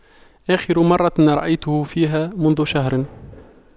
آخر مرة رأيته فيها منذ شهر